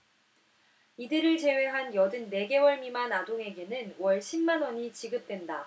이들을 제외한 여든 네 개월 미만 아동에게는 월 십 만원이 지급된다